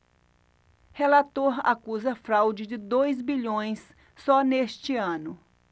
relator acusa fraude de dois bilhões só neste ano